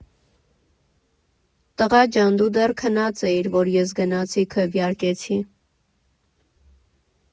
֊Տղա ջան, դու դեռ քնած էիր, որ ես գնացի քվեարկեցի։